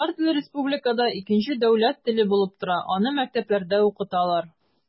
Татар теле республикада икенче дәүләт теле булып тора, аны мәктәпләрдә укыталар.